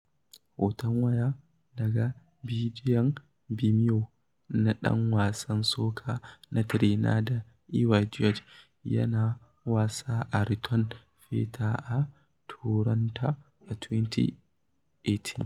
Hoton waya daga bidiyon ɓimeo na ɗan wasan soca na Trinidad Iwer George, yana wasa a Return Fete a Toronto a 2018.